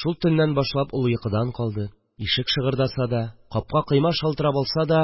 Шул төннән башлап ул йокыдан калды, ишек шыгырдаса да, капка-койма шалтырап алса да,